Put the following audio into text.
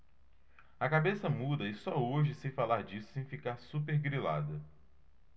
a cabeça muda e só hoje sei falar disso sem ficar supergrilada